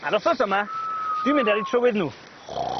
A'r wthnos yma, dwi'n mynd ar 'u trywydd nw.